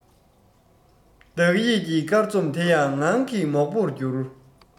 བདག ཡིད ཀྱི སྐར ཚོམ དེ ཡང ངང གིས མོག པོར གྱུར